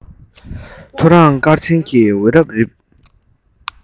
རི བོ འདིར འཛེགས